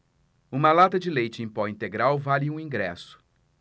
uma lata de leite em pó integral vale um ingresso